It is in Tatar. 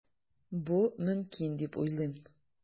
Бу мөмкин дип уйлыйм.